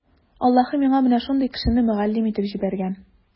Аллаһы миңа менә шундый кешене мөгаллим итеп җибәргән.